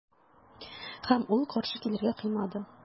Һәм ул каршы килергә кыймады.